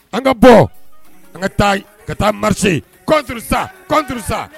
An ka bɔ, an ka taa, ka taa marcher contre ça contre ça